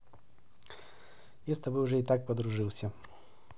я с тобой уже и так подружился